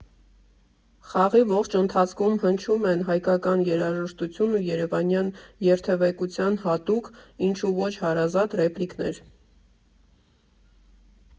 Խաղի ողջ ընթացքում հնչում են հայկական երաժշտություն և երևանյան երթևեկությանը հատուկ (ինչու ոչ՝ հարազատ) ռեպլիկներ։